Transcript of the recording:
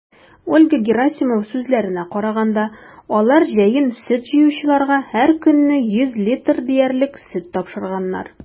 Ольга Герасимова сүзләренә караганда, алар җәен сөт җыючыларга һәркөнне 100 литр диярлек сөт тапшырганнар.